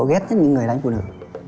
ghét nhất những người đánh phụ nữ